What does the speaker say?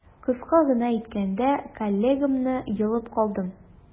Кыска гына әйткәндә, коллегамны йолып калдым.